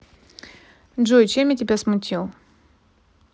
джой чем я тебя смутил